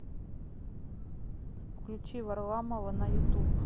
включи варламова на ютуб